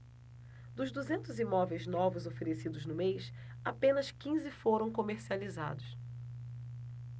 dos duzentos imóveis novos oferecidos no mês apenas quinze foram comercializados